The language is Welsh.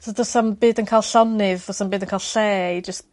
so do's 'am byd yn ca'l llonydd do's 'am byd yn ca'l lle i jys'